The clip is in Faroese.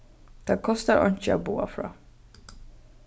tað kostar einki at boða frá